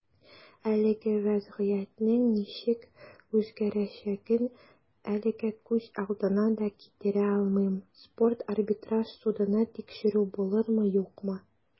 Әлеге вәзгыятьнең ничек үзгәрәчәген әлегә күз алдына да китерә алмыйм - спорт арбитраж судында тикшерү булырмы, юкмы.